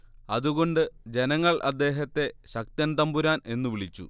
അതുകൊണ്ട് ജനങ്ങൾ അദ്ദേഹത്തെ ശക്തൻ തമ്പുരാൻ എന്നു വിളിച്ചു